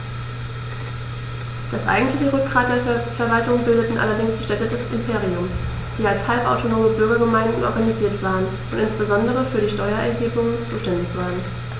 Das eigentliche Rückgrat der Verwaltung bildeten allerdings die Städte des Imperiums, die als halbautonome Bürgergemeinden organisiert waren und insbesondere für die Steuererhebung zuständig waren.